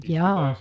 jaa